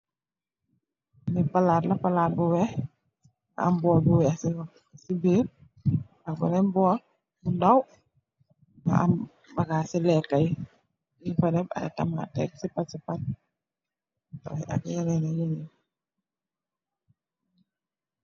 Lee palate la palate bu weehe am bowl bu weehe se birr ak benen bowl bu daw mu am bagasse leka yee nugfa def aye tamatek sipasipa ak yenen.